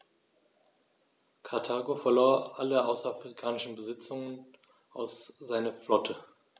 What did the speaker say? Karthago verlor alle außerafrikanischen Besitzungen und seine Flotte.